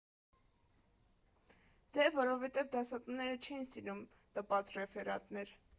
Դե որովհետև դասատուները չէին սիրում տպած ռեֆերատներ։